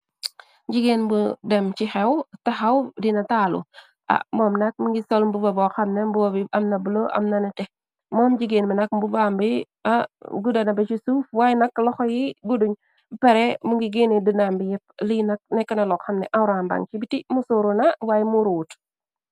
Jigéen bu dem ci xew taxaw di nitalu mom nak mu ngi sol mbuba bo xamneh mbubu bi amna bula am na netteh mom jigéen bi nak mbubam bi gudda na bi ci suuf way nak loxo yi gudduñ pare mu ngi genneh dinambi yép, li nak nekka na lo xamne awrambaŋ ci biti musóru na wayè muru wut.